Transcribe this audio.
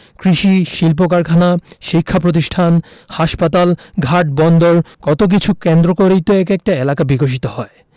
কৃষি শিল্পকারখানা শিক্ষাপ্রতিষ্ঠান হাসপাতাল ঘাট বন্দর কত কিছু কেন্দ্র করেই তো এক একটা এলাকা বিকশিত হয়